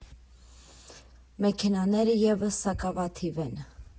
Մեքենաները ևս սակավաթիվ են։